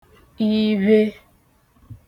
ivhe